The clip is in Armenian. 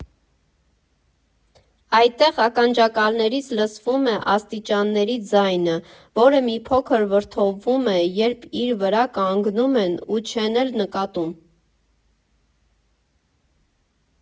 Այդտեղ ականջակալներից լսվում է աստիճանների ձայնը, որը մի փոքր վրդովվում է, երբ իր վրա կանգնում են ու չեն էլ նկատում։